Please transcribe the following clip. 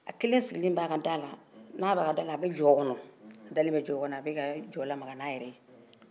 a kelen sigilen bɛ a ka da la n'a b'a ka da la a bɛ jɔ kɔnɔ a dalen bɛ jɔ kɔnɔ a bɛka jɔ lamaga n'a hɛrɛ ye